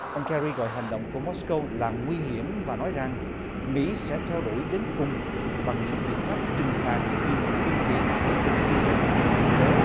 ông ke ri gọi hành động của mốt sờ câu là nguy hiểm và nói rằng mỹ sẽ theo đuổi đến cùng bằng những biện pháp trừng phạt như một phương tiện để thực thi các tiêu chuẩn quốc tế